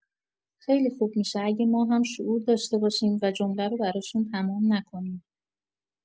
خیلی خوب می‌شه اگه ما هم شعور داشته باشیم و جمله رو براشون تمام نکنیم.